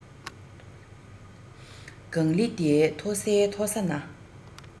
ལྒང ལི འདིའི མཐོ སའི མཐོ ས ན